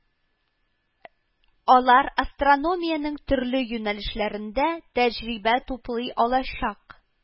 Алар астрономиянең төрле юнәлешләрендә тәҗрибә туплый алачак